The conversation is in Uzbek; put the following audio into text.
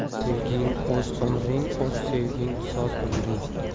sevging oz umring oz sevging soz umring soz